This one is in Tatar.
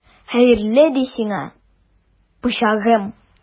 Хәерле ди сиңа, пычагым!